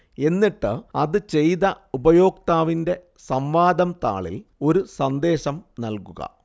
എന്നിട്ട് അത് ചെയ്ത ഉപയോക്താവിന്റെ സംവാദം താളിൽ ഒരു സന്ദേശം നൽകുക